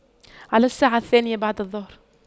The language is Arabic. على الساعة الثانية بعد الظهر